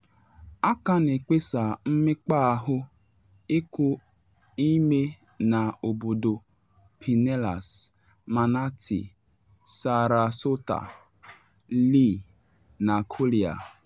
A ka na ekpesa mmekpa ahụ iku ime na obodo Pinellas, Manatee, Sarasota, Lee, na Collier.